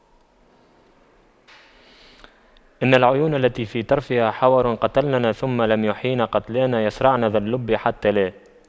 إن العيون التي في طرفها حور قتلننا ثم لم يحيين قتلانا يَصرَعْنَ ذا اللب حتى لا